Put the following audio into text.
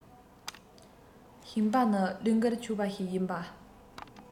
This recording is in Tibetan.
ཞིང པ ནི བློས འགེལ ཆོག པ ཞིག ཡིན པ